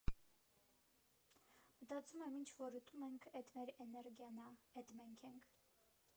Մտածում եմ՝ ինչ որ ուտում ենք, էդ մեր էներգիան ա, էդ մենք ենք։